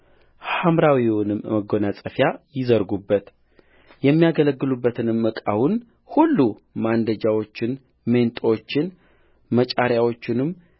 ምራዊውንም መጐናጸፊያ ይዘርጉበትየሚያገለግሉበትን ዕቃውን ሁሉም ማንደጃዎቹን ሜንጦቹንም መጫሪያዎቹንም